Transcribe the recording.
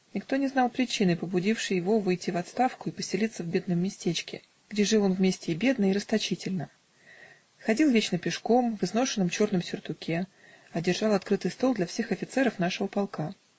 никто не знал причины, побудившей его выйти в отставку и поселиться в бедном местечке, где жил он вместе и бедно и расточительно: ходил вечно пешком, в изношенном черном сертуке, а держал открытый стол для всех офицеров нашего полка.